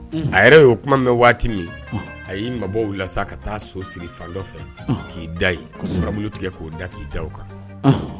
A yɛrɛ y ye o kuma mɛn waati min a y'i mabɔfila sa ka taa so siri fan dɔ nɔfɛ k'i da ye tigɛ k'o da k'i da kan